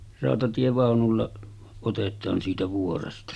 rautatievaunulla otetaan siitä vuoresta